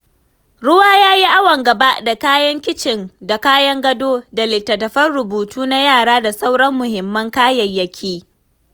Ruwa ya yi awon gaba da kayan kicin da kayan gado da littatafan rubutu na yara da sauran muhimman kayayyaki.